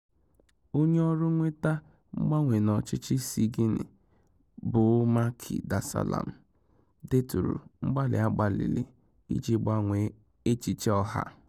Onye ọrụ mweta mgbanwe n'ọchịchị si Guinea bụ Macky Darsalam deturu mgbali a gbalili iji gbanwee echiche ọha: